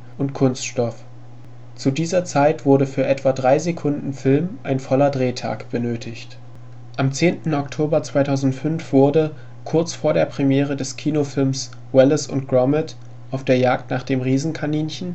wurde für etwa drei Sekunden Film ein voller Drehtag benötigt. Am 10. Oktober 2005 wurde, kurz vor Premiere des Kinofilms Wallace & Gromit: Auf der Jagd nach dem Riesenkaninchen